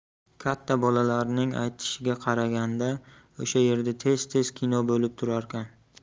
katta bolalarning aytishiga qaraganda o'sha yerda tez tez kino bo'lib turarkan